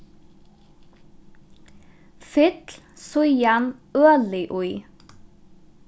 fyll síðan ølið í